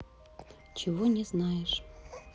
чего не знаешь